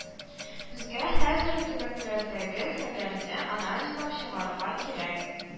Безгә хәзер төбәкләрдәге хәлләрне анализлап чыгарга кирәк